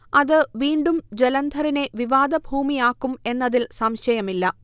അത് വീണ്ടും ജലന്ധറിനെ വിവാദഭൂമിയാക്കും എന്നതിൽ സംശയമില്ല